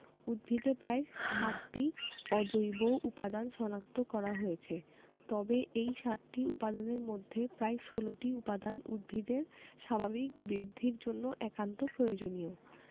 উদ্ভিদে প্রায় ৬০টি অজৈব উপাদান শনাক্ত করা হয়েছে তবে এই ৬০টি উপাদানের মধ্যে প্রায় ১৬টি উপাদান উদ্ভিদের স্বাভাবিক বৃদ্ধির জন্য একান্ত প্রয়োজনীয়